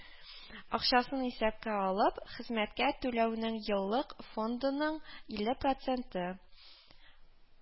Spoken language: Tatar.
Акчасын исәпкә алып, хезмәткә түләүнең еллык фондының илле проценты